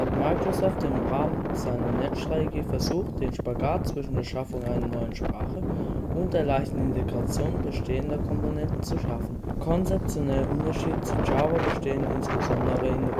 Microsoft im Rahmen seiner. NET-Strategie versucht, den Spagat zwischen der Schaffung einer neuen Sprache und der leichten Integration bestehender Komponenten zu schaffen. Konzeptionelle Unterschiede zu Java bestehen insbesondere in